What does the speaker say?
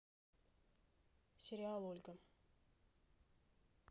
сериал ольга